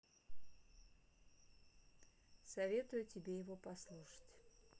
советую тебе его послушать